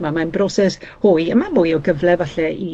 Chimod, mae'n broses hwy, a mae'n mwy o gyfle falle i